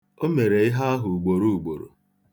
O mere ihe ahụ ugboruugboro.